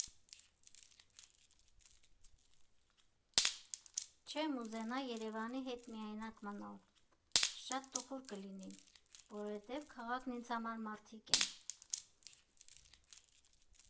Չեմ ուզենա Երևանի հետ միայնակ մնալ, շատ տխուր կլինի, որովհետև քաղաքն ինձ համար մարդիկ են։